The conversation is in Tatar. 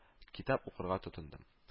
Китап укырга тотындым